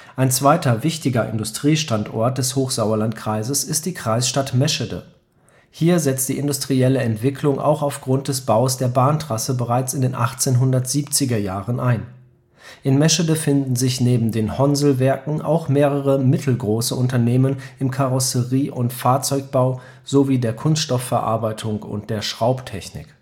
Ein zweiter wichtiger Industriestandort des Hochsauerlandkreises ist die Kreisstadt Meschede. Hier setzte die industrielle Entwicklung auch aufgrund des Baus der Bahntrasse bereits in den 1870er Jahren ein. In Meschede finden sich neben den Honselwerken auch mehrere mittelgroße Unternehmen im Karosserie - und Fahrzeugbau sowie der Kunststoffverarbeitung und der Schraubtechnik